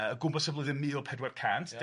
yy gwmpas y flwyddyn mil pedwar cant ia.